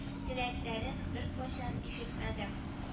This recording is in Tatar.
Теләкләрен беркайчан ишетмәдем